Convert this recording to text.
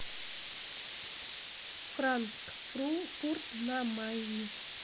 франкфурт на майне